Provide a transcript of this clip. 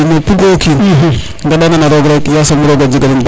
o kino bugu o kiin ŋendanana roog rek rek yasam roga jegalin bakadum